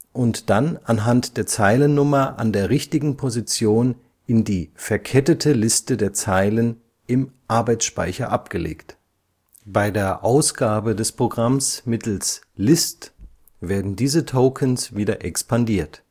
und werden dann anhand der Zeilennummer an der richtigen Position in die Verkettete Liste der Zeilen im Arbeitsspeicher abgelegt. Bei der Ausgabe des Programms mittels LIST werden diese Tokens wieder expandiert